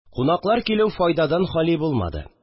Кунаклар килү файдадан хали булмады